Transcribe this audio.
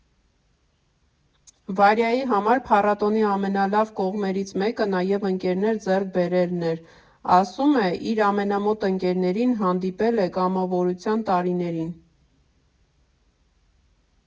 Վարյայի համար փառատոնի ամենալավ կողմերից մեկը նաև ընկերներ ձեռք բերելն էր, ասում է՝ իր ամենամոտ ընկերներին հանդիպել է կամավորության տարիներին։